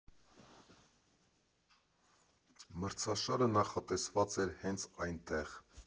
Մրցաշարը նախատեսված էր հենց այնտեղ։